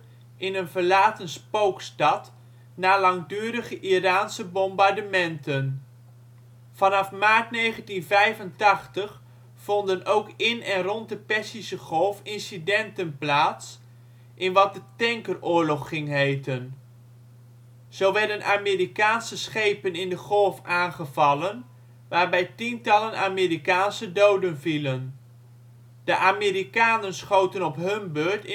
in een verlaten spookstad na langdurige Iraanse bombardementen. Amerikaanse aanval op een Iraans schip Vanaf maart 1985 vonden ook in en rond de Perzische Golf incidenten plaats, in wat de ' tankeroorlog ' ging heten. Zo werden Amerikaanse schepen in de Golf aangevallen, waarbij tientallen Amerikaanse doden vielen. De Amerikanen schoten op hun beurt